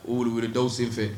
O wili wilida sen fɛ